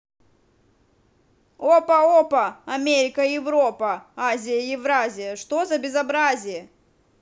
опа опа америка европа азия евразия что за безобразие